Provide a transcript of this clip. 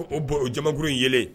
O bon ojakuru in yelen